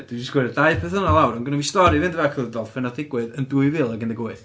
Dwi 'di sgwennu'r dau peth yna lawr ond genna i'm stori i fynd efo Echo the Dolphin wnaeth ddigwydd yn dwy fil ac un deg wyth.